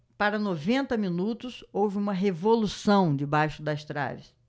para noventa minutos houve uma revolução debaixo das traves